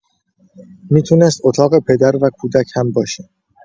می‌تونست اتاق پدر و کودک هم باشه.